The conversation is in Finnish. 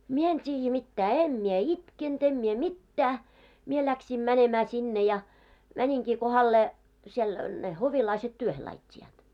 minä en tiedä mitään en minä itkenyt en minä mitään minä lähdin menemään sinne ja meninkin kohdalleen siellä ne hovilaiset työhön laittoivat